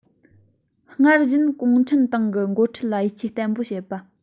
སྔར བཞིན གུང ཁྲན ཏང གི འགོ ཁྲིད ལ ཡིད ཆེས བརྟན པོ བྱེད པ